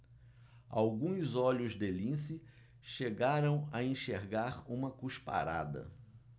alguns olhos de lince chegaram a enxergar uma cusparada